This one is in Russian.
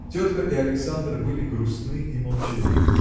Тетка и Александр были грустны и молчаливы.